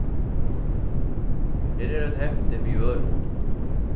her er eitt hefti við ørindum